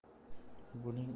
buning ustiga ko'rak